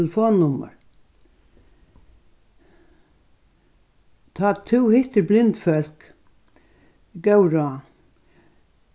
telefonnummur tá tú hittir blind fólk góð ráð